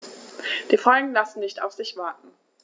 Die Folgen lassen nicht auf sich warten.